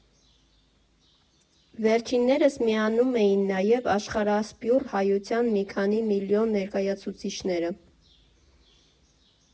Վերջիններիս միանում էին նաև աշխարհասփյուռ հայության մի քանի միլիոն ներկայացուցիչները։